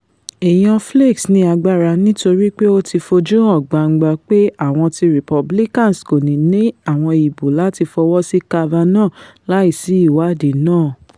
Ẹ̀yàn Flakes ni agbára, nítorípe ó ti fojú hàn gbangba pé àwọn ti Repubicans kòní ní àwọn ìbò láti fọwọ́sí Kavanaugh láìsí ìwáàdí náà.